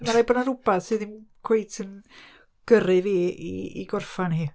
Ma' raid bod 'na rwbath sy ddim cweit yn gyrru fi i i gorffan hi.